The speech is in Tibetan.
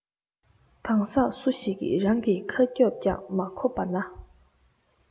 གང ཟག སུ ཞིག གིས རང གི ཁ རྒྱབ ཀྱང མ ཁོབས པ ན